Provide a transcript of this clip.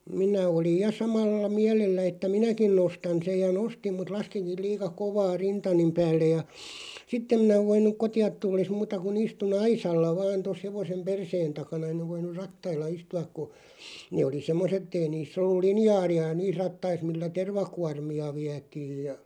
minä olin ja samalla mielellä että minäkin nostan sen ja nostin mutta laskinkin liian kovaa rintani päälle ja sitten en minä voinut kotiin tullessa muuta kuin istuin aisalla vain tuossa hevosen perseen takana en ole voinut rattailla istua kun ne oli semmoiset että ei niissä ollut linjaalia niissä rattaissa millä tervakuormia vietiin ja